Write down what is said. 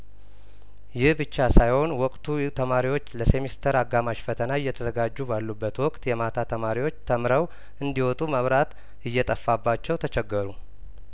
ይህ ብቻ ሳይሆን ወቅቱ ተማሪዎች ለሴምስተር አጋማሽ ፈተና እየተዘጋጁ ባሉበት ወቅት የማታ ተማሪዎች ተምረው እንዲወጡ መብራት እየጠፋባቸው ተቸገሩ